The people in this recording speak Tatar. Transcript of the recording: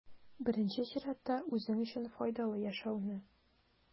Беренче чиратта, үзең өчен файдалы яшәүне.